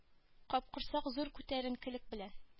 Капкорсак зур күтәренкелек белән